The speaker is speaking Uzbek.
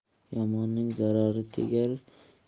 yomonning zarari tegar keng yo'lda